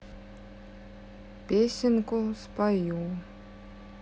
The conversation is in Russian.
песенку спою